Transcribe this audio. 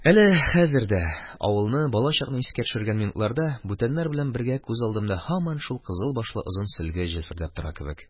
Әле хәзер дә, авылны, балачакны искә төшергән минутларда, бүтәннәр белән бергә күз алдымда һаман шул кызыл башлы озын сөлге җилфердәп тора кебек